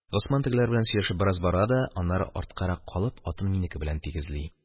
Госман тегеләр белән сөйләшеп бераз бара да, аннары, арткарак калып, атын минеке белән тигезли.